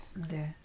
Yndi.